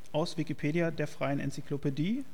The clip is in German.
aus Wikipedia, der freien Enzyklopädie